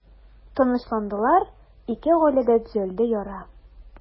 Тынычландылар, ике гаиләдә төзәлде яра.